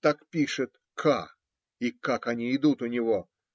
Так пишет К. , и как они идут у него!